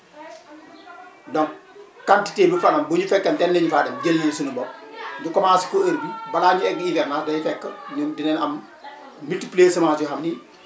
donc quantité bu fa am bu ñu fekkee teel nañu faa dem jëlali suñu bopp ñu commencer ko heure bii vbalaa ñuy egg hivernage day fekk ñun dinañ am multiplier semence yoo xam ni